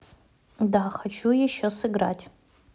да хочу еще сыграть